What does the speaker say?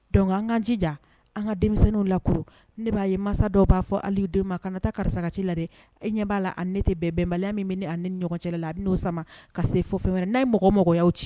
Don an ka cija an ka denmisɛnninw lak ne b'a ye mansa dɔw b'a fɔ ali denw ma kana taa karisa ka ci la dɛ e ɲɛ b'a la ne tɛ bɛn bɛnbaliya min bɛ a ni ɲɔgɔn cɛ la a n'o sama ka se fɔ fɛn wɛrɛ n'a mɔgɔ mɔgɔya ci